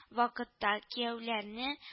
Вакытта кияүләрне